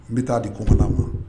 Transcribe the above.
N bɛ taa di kɔ kɔnɔna ma